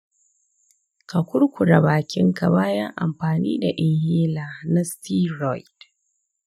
ka kurkure bakin ka bayan amfani da inhaler na steriod.